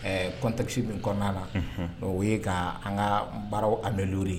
Ɛɛ contexte min kɔɔna na unhun o ye kaa an ŋaa baaraw améliorer